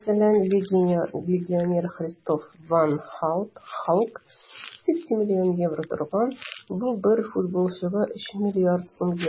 Мәсәлән, легионер Кристоф ван Һаут (Халк) 60 млн евро торган - бу бер футболчыга 3 млрд сум евро!